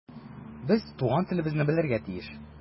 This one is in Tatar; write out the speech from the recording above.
Без туган телебезне белергә тиеш.